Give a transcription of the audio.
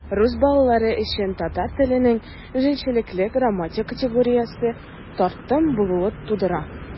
Рус балалары өчен татар теленең үзенчәлекле грамматик категориясе - тартым булуы тудыра.